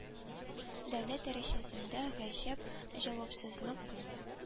Дәүләт дәрә әсендәге га әеп авапсызлык бу